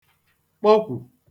kpokwù